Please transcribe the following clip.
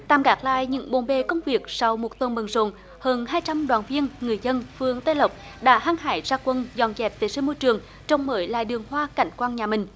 tạm gác lại những bộn bề công việc sau một tuần bận rộn hơn hai trăm đoàn viên người dân phường tây lộc đã hăng hái ra quân dọn dẹp vệ sinh môi trường trồng mới lại đường hoa cảnh quang nhà mình